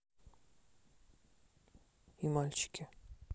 и мальчики